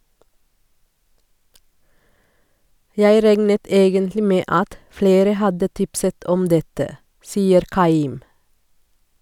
Jeg regnet egentlig med at flere hadde tipset om dette, sier Keim.